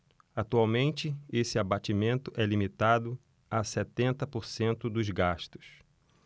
atualmente esse abatimento é limitado a setenta por cento dos gastos